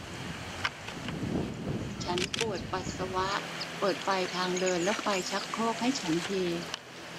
ฉันปวดปัสสาวะเปิดไฟทางเดินและไฟชักโครกให้ฉันที